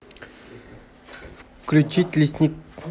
включить лесник